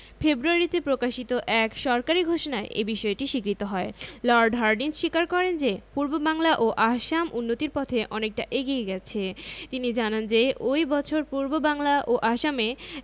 ফেব্রুয়ারিতে প্রকাশিত এক সরকারি ঘোষণায় এ বিষয়টি স্বীকৃত হয় লর্ড হার্ডিঞ্জ স্বীকার করেন যে পূর্ববাংলা ও আসাম উন্নতির পথে অনেকটা এগিয়ে গেছে তিনি জানান যে ওই বছর পূর্ববাংলা ও আসামে